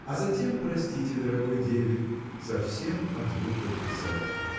А затем простите, дорогой деверь, – совсем отвыкла писать.